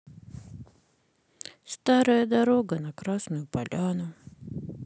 старая дорога на красную поляну